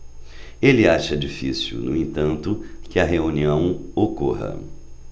ele acha difícil no entanto que a reunião ocorra